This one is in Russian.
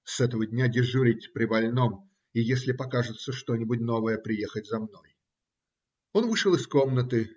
с этого дня дежурить при больном и, если покажется что-нибудь новое, приехать за мной. Он вышел из комнаты